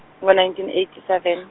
ngo- nineteen eighty seven.